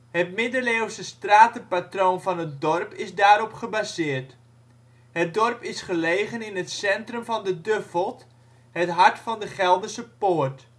Het middeleeuwse stratenpatroon van het dorp is daarop gebaseerd. Het dorp is gelegen in het centrum van de Duffelt, hart van de Gelderse Poort